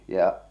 ja